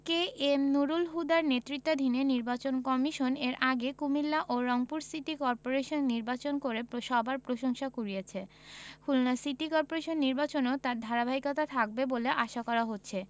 কে M Nurul হুদার নেতৃত্বাধীন নির্বাচন কমিশন এর আগে কুমিল্লা ও রংপুর সিটি করপোরেশন নির্বাচন করে সবার প্রশংসা কুড়িয়েছে খুলনা সিটি করপোরেশন নির্বাচনেও তার ধারাবাহিকতা থাকবে বলে আশা করা হচ্ছে